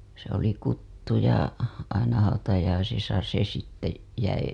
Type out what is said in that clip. se oli kutsuja aina hautajaisissa se sitten jäi